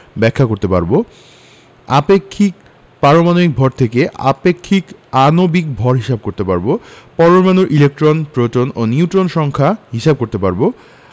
ব্যাখ্যা করতে পারব আপেক্ষিক পারমাণবিক ভর থেকে আপেক্ষিক আণবিক ভর হিসাব করতে পারব পরমাণুর ইলেকট্রন প্রোটন ও নিউট্রন সংখ্যা হিসাব করতে পারব